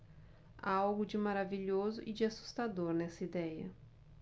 há algo de maravilhoso e de assustador nessa idéia